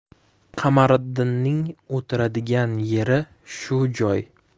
qamariddinning o'tiradigan yeri shu joy